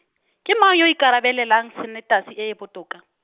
ke mang yo o ikarabelelang sanetasi e e botoka?